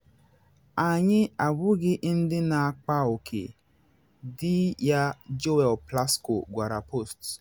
Anyị abụghị ndị na akpa oke,” di ya Joel Plasco gwara Post.